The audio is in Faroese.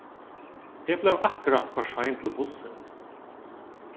eg bleiv akkurát for sein til bussin